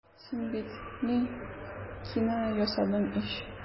Син бит... ни... киная ясадың ич.